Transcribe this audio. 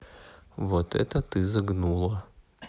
вот это ты загнула